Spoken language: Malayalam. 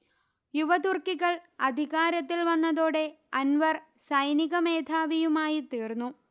യുവതുർക്കികൾ അധികാരത്തിൽ വന്നതോടെ അൻവർ സൈനികമേധാവിയുമായിത്തീർന്നു